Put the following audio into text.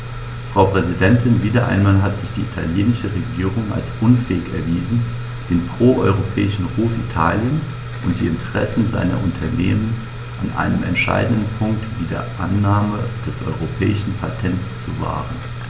Frau Präsidentin, wieder einmal hat sich die italienische Regierung als unfähig erwiesen, den pro-europäischen Ruf Italiens und die Interessen seiner Unternehmen an einem entscheidenden Punkt wie der Annahme des europäischen Patents zu wahren.